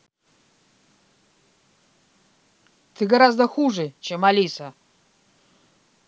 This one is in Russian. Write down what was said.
ты гораздо хуже чем алиса